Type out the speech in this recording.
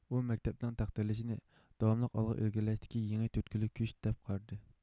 ئۇ مەكتەپنىڭ تەقدىرلىشىنى داۋاملىق ئالغا ئىلگىرىلەشتىكى يېڭى تۈرتكىلىك كۈچ دەپ قارىدى